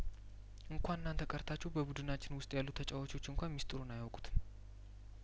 እንኳን እናንተ ቀርታችሁ በቡድናችን ውስጥ ያሉት ተጫዋቾች እንኳን ሚስጢሩን አያውቁትም